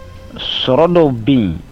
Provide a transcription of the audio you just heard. S dɔw bɛ yen